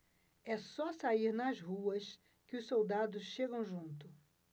é só sair nas ruas que os soldados chegam junto